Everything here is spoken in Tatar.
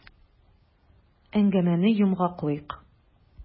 Әңгәмәне йомгаклыйк.